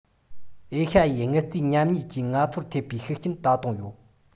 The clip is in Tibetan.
ཨེ ཤ ཡའི དངུལ རྩའི ཉམས ཉེན གྱིས ང ཚོར ཐེབས པའི ཤུགས རྐྱེན ད དུང ཡོད